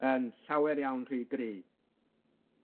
yn llawer iawn rhy gry.